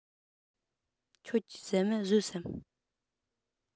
ཁྱེད ཀྱིས ཟ མ ཟོས སམ